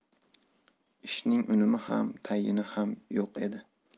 ishining unumi ham tayini ham yo'q edi